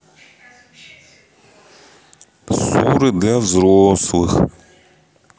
суры для взрослых